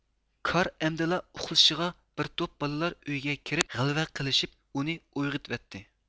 كار ئەمدىلا ئۇخلىشىغا بىر توپ بالىلار ئۆيگە كىرىپ غەلۋە قىلىشىپ ئۇنى ئويغىتۋەتتى